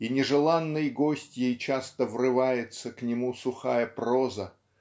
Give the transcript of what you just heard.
и нежеланной гостьей часто врывается к нему сухая проза